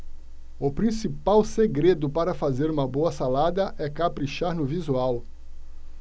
o principal segredo para fazer uma boa salada é caprichar no visual